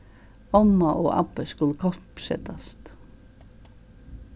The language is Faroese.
omma og abbi skulu koppsetast